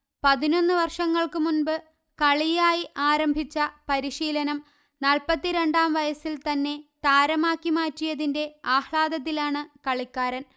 പതിനൊന്നു വർഷങ്ങൾക്ക് മുന്പ് കളിയായി ആരംഭിച്ച പരിശീലനം നാല്പ്പത്തിരണ്ടാം വയസ്സിൽ തന്നെ താരമാക്കി മാറ്റിയതിന്റെ ആഹ്ലാദത്തിലാണ് കളിക്കാരന്